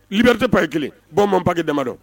Libiti papi kelen bɔn man paki damadɔ